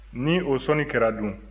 ni o sɔnni kɛra dun